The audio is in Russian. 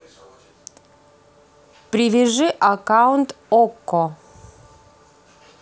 привяжи аккаунт okko